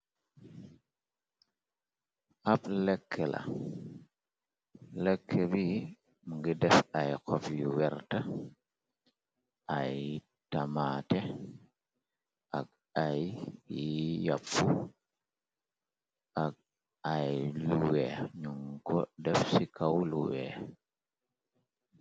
Ab lekk la lekk rii mngi def ay xof yu werta ay tamaate ak ay yi yapp ak ay luweex nun ko def ci kaw luwee.